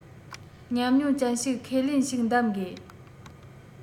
ཉམས མྱོང ཅན ཞིག ཁས ལེན ཞིག གདམ དགོས